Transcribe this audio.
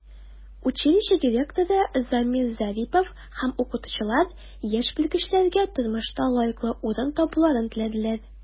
Училище директоры Замир Зарипов һәм укытучылар яшь белгечләргә тормышта лаеклы урын табуларын теләделәр.